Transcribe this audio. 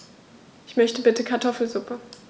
Ich möchte bitte Kartoffelsuppe.